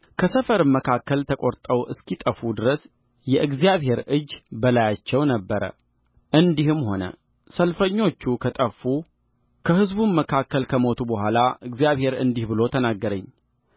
ከሰፈርም መካከል ተቈርጠው እስኪጠፉ ድረስ የእግዚአብሔር እጅ በላያቸው ነበረእንዲህም ሆነ ሰልፈኞቹ ከጠፉ ከሕዝቡም መካከል ከሞቱ በኋላእግዚአብሔር እንዲህ ብሎ ተናገረኝ